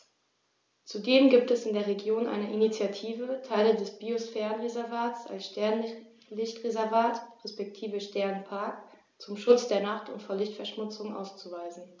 Zudem gibt es in der Region eine Initiative, Teile des Biosphärenreservats als Sternenlicht-Reservat respektive Sternenpark zum Schutz der Nacht und vor Lichtverschmutzung auszuweisen.